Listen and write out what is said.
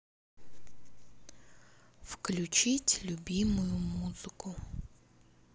включить любимую музыку